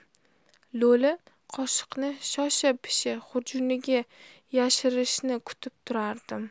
lo'li qoshiqni shosha pisha xurjuniga yashirishini kutib turardim